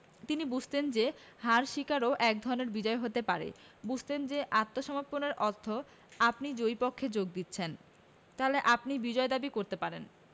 তিনি বুঝতেন যে হার স্বীকারও একধরনের বিজয় হতে পারে বুঝতেন যে আত্মসমর্পণের অর্থ আপনি জয়ী পক্ষে যোগ দিচ্ছেন তাহলে আপনি বিজয় দাবি করতে পারেন